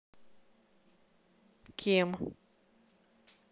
кем